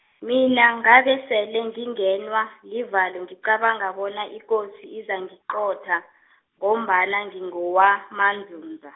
mina ngabesele ngingenwa, livalo ngicabanga bona ikosi izangiqotha, ngombana ngingowamaNdzundza.